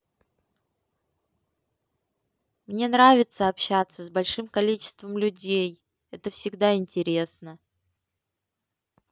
мне нравится общаться с большим количеством людей это всегда интересно